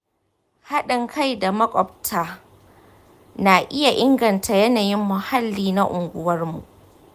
haɗin kai da makwabta na iya inganta yanayin muhalli na unguwarmu.